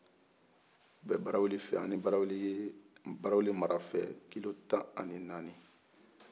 a bɛ barawuli fɛ ani barawuli ye barawuli mara fɛ kilo tan ani naani